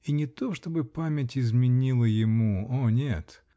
И не то, чтобы память изменила ему -- о нет!